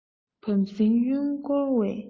བམ སྲིང གཡོན སྐོར བས